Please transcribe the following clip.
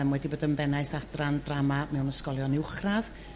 yrm wedi bod ym bennaeth adran drama mewn ysgolion uwchradd